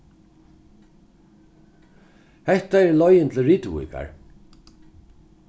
hetta er leiðin til rituvíkar